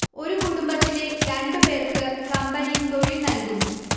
ഒരു കുടുംബത്തിലെ രണ്ട് പേർക്ക് കമ്പനി തൊഴിൽ നൽകുന്നു